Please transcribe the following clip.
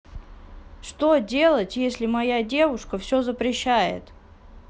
что делать если моя девушка все запрещает